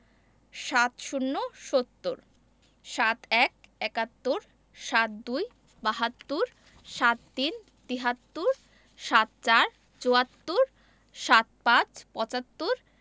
৭০ - সত্তর ৭১ – একাত্তর ৭২ – বাহাত্তর ৭৩ – তিহাত্তর ৭৪ – চুয়াত্তর ৭৫ – পঁচাত্তর